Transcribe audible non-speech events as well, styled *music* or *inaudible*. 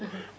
*hesitation* *hesitation*